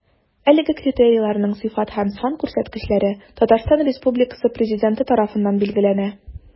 Әлеге критерийларның сыйфат һәм сан күрсәткечләре Татарстан Республикасы Президенты тарафыннан билгеләнә.